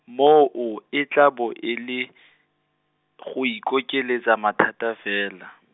moo e tla bo e le , go ikokeletsa mathata fela.